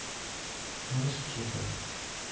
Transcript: ну расскажи как